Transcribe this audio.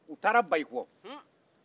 u taara bayikɔ